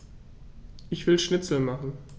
Ich will Schnitzel machen.